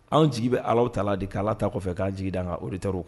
Anw jigi bɛ alahu taala de kan. Ala ta kɔfɛ kan jigi daw kan auditeurs